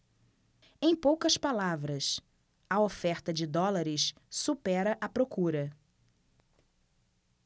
em poucas palavras a oferta de dólares supera a procura